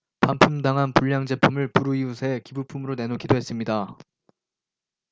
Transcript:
반품당한 불량제품을 불우이웃에 기부품으로 내놓기도 했습니다